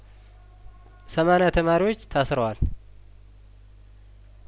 ሰማኒያ ተማሪዎች ታስረዋል